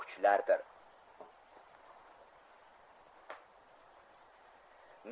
men shak